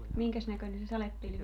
minkäs näköinen se sadepilvi on